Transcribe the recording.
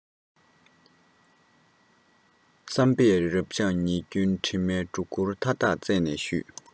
བསམ པས རབ འབྱམས ཉེས སྐྱོན དྲི མའི སྒྲོ སྐུར མཐའ དག རྩད ནས བཞུས